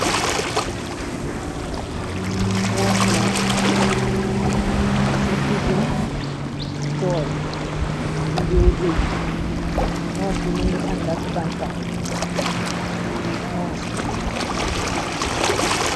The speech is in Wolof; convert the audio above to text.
Ngoos ngoos ci digum tool mu ngi béy ngoos bi mu ngi àndak bantaam li ñyoos la.